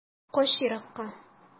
Кач еракка.